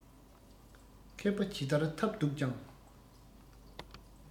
མཁས པ ཇི ལྟར ཐབས རྡུགས ཀྱང